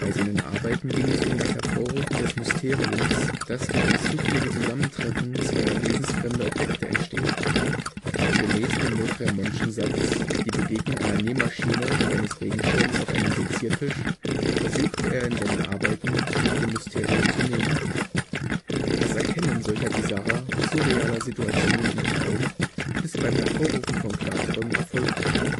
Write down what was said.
seinen Arbeiten ging es um das Hervorrufen des Mysteriums, das durch das zufällige Zusammentreffen zweier wesensfremder Objekte entsteht. Gemäß dem Lautréamontschen Satz „ Die Begegnung einer Nähmaschine und eines Regenschirms auf einem Seziertisch “versuchte er in seinen Arbeiten, sich dem Mysterium zu nähern. Das Erkennen solcher bizarrer, surrealer Situationen im Traum ist beim Hervorrufen von Klarträumen erfolgreich